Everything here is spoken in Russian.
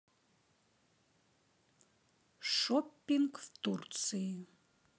шоппинг в турции